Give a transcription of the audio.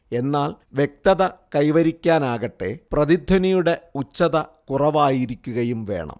എന്നാൽ വ്യക്തത കൈവരിക്കാനാകട്ടെ പ്രതിധ്വനിയുടെ ഉച്ചത കുറവായിരിക്കുകയും വേണം